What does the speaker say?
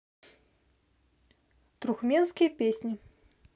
трухменские песни